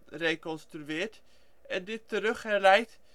gereconstrueerd, en dit terug herleid